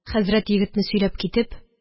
Хәзрәт егетне сөйләп китеп: